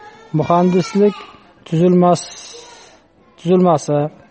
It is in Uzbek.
muhandislik tuzilmasi